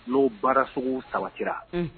N'o baaraso sabatira